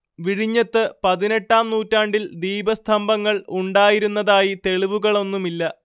വിഴിഞ്ഞത്ത് പതിനെട്ടാം നൂറ്റാണ്ടിൽ ദീപസ്തംഭങ്ങൾ ഉണ്ടായിരുന്നതായി തെളിവുകളൊന്നുമില്ല